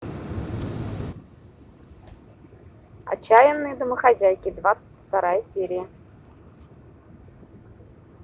отчаянные домохозяйки двадцать вторая серия